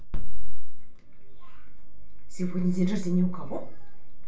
сегодня день рождения у кого